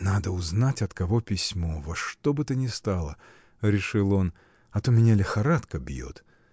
— Надо узнать, от кого письмо, во что бы то ни стало, — решил он, — а то меня лихорадка бьет.